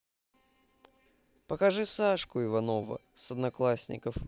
покажи сашку иванкова с одноклассников